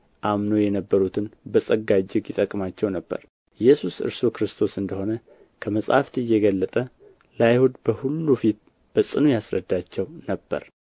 አምነው የነበሩትን በጸጋ እጅግ ይጠቅማቸው ነበር ኢየሱስ እርሱ ክርስቶስ እንደ ሆነ ከመጻሕፍት እየገለጠ ለአይሁድ በሁሉ ፊት በጽኑ ያስረዳቸው ነበርና